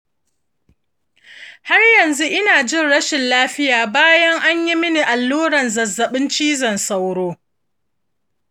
har yanzu ina jin rashin lafiya bayan an yi mini allurar zazzabin cizon sauro.